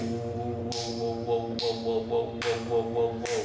phù wow wow wow wow wow wow wow wow wow wow wow wow